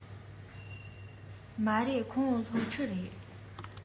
མ རེད ཁོང སློབ ཕྲུག རེད